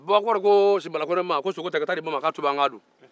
bokari ko simbla kɔnɛ ma ko sogo ta i ka taa a di i ba ma a ka tobi an ka dun